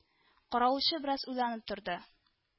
— каравылчы бераз уйланып торды